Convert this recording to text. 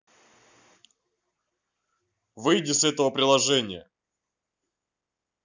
выйди с этого приложения